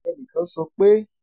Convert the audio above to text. Ẹnìkan sọ pé: